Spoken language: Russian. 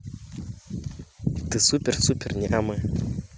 ты супер супер нямы